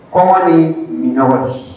Kɔɔni minɛnɔgɔ